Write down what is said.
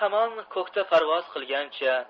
hamon ko'kda parvoz qilgancha